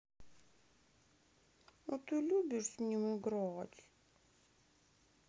а ты любишь с ними играть